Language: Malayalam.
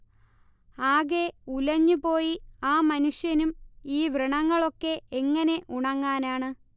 ആകെ ഉലഞ്ഞുപോയി ആ മനുഷ്യനും ഈ വ്രണങ്ങളൊക്കെ എങ്ങനെ ഉണങ്ങാനാണ്